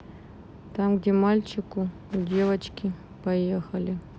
там где мальчику у девочки поехали